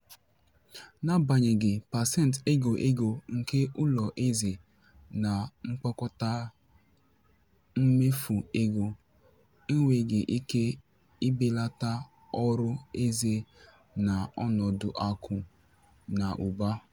@charquaouia: N'agbanyeghị pasent ego ego nke ụlọ eze na mkpokọta mmefu ego, enweghị ike ibelata ọrụ eze na ọnọdụ akụ na ụba.